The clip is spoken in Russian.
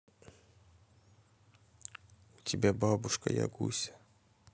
у тебя бабушка ягуся